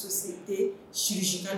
Siina